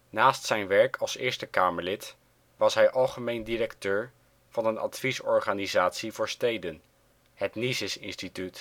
Naast zijn werk als Eerste Kamerlid was hij algemeen directeur van een adviesorganisatie voor steden, het Nicis Institute